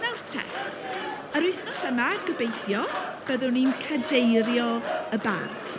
Nawr te, yr wythnos yma, gobeithio, byddwn ni'n cadeirio y bardd.